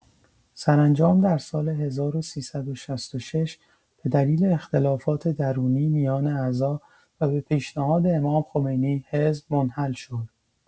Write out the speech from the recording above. سرانجام در سال ۱۳۶۶ به دلیل اختلافات درونی میان اعضا و به پیشنهاد امام‌خمینی، حزب منحل شد.